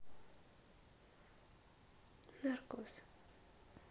наркоз